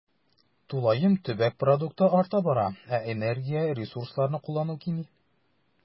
Тулаем төбәк продукты арта бара, ә энергия, ресурсларны куллану кими.